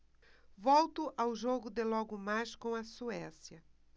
volto ao jogo de logo mais com a suécia